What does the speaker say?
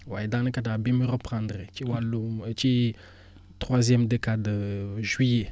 waaye daanaka daal bi mu reprendre ci wàllu ci troisième decade juillet